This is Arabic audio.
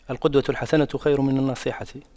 القدوة الحسنة خير من النصيحة